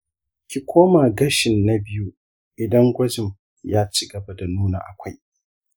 ki koma gashin na biyu idan gwajin ya cigaba da nuna akwai.